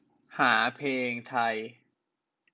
หาเพลงไทย